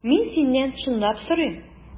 Мин синнән чынлап сорыйм.